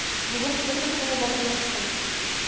Бүген фермер булу батырлык сорый.